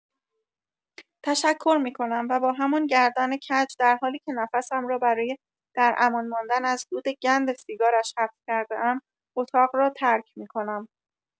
تشکر می‌کنم و با همان گردن کج در حالی که نفسم را برای در امان ماندن از دود گند سیگارش حبس کرده‌ام اتاق را ترک می‌کنم.